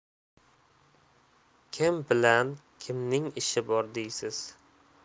kim bilan kimning ishi bor deysiz